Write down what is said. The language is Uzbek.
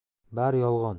bari yolg'on